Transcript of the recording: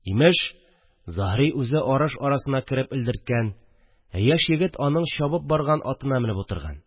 Имеш, Заһри үзе арыш арасына кереп элдерткән, ә яшь егет аның чабып барган атына менеп утырган